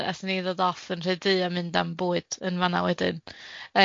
Yym a athon ni ddod off yn Rhyd Ddu a mynd am bwyd yn fan'na wedyn.